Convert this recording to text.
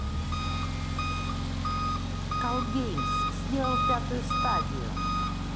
call games сделал пятую стадию